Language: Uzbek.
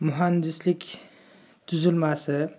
muhandislik tuzilmasi